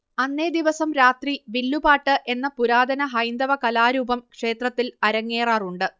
അന്നേദിവസം രാത്രി വില്ലുപാട്ട് എന്ന പുരാതന ഹൈന്ദവകലാരൂപം ക്ഷേത്രത്തിൽ അരങ്ങേറാറുണ്ട്